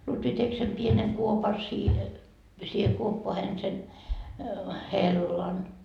Lutvi teki sen pienen kuopan siihen siihen kuoppaan sen hellan